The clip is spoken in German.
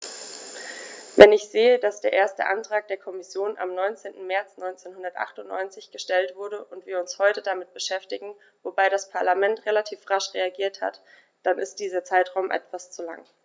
Wenn ich sehe, dass der erste Antrag der Kommission am 19. März 1998 gestellt wurde und wir uns heute damit beschäftigen - wobei das Parlament relativ rasch reagiert hat -, dann ist dieser Zeitraum etwas zu lang.